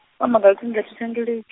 amba nga luṱingo thi, thendeleki.